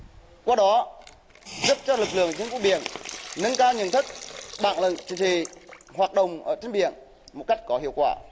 qua đó giúp cho lực lượng dân quân biển nâng cao nhận thức bản lĩnh chính trị hoạt động ở trên biển một cách có hiệu quả